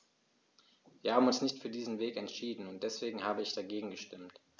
Wir haben uns nicht für diesen Weg entschieden, und deswegen habe ich dagegen gestimmt.